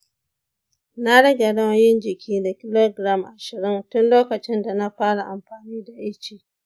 na rage nauyin jiki da kilogiram ashirin tun lokacin da na fara amfani da ice.